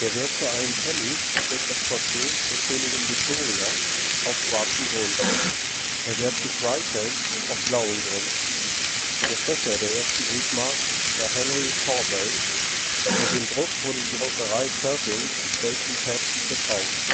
Wert zu einem Penny trägt das Porträt der Königin Victoria auf schwarzem Grund, der Wert zu zwei Pence auf blauem Grund. Der Stecher der ersten Briefmarken war Henry Corbald. Mit dem Druck wurde die Druckerei Perkins, Bacon Petch betraut